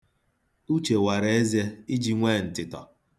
Uche wara eze iji nwee ntịtọ.